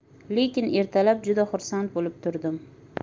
lekin ertalab juda xursand bo'lib turdim